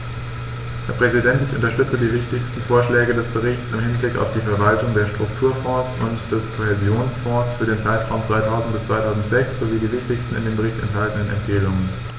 Herr Präsident, ich unterstütze die wichtigsten Vorschläge des Berichts im Hinblick auf die Verwaltung der Strukturfonds und des Kohäsionsfonds für den Zeitraum 2000-2006 sowie die wichtigsten in dem Bericht enthaltenen Empfehlungen.